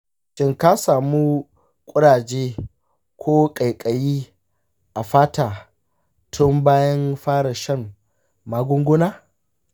shin ka samu ƙuraje ko ƙaiƙayi a fata tun bayan fara shan magungunan?